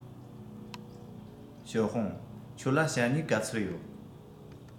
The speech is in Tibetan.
ཞའོ ཧུང ཁྱོད ལ ཞྭ སྨྱུག ག ཚོད ཡོད